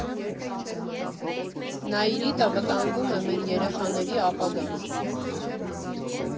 Նաիրիտը վտանգում է մեր երեխաների ապագան։